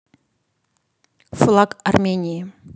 флаг армении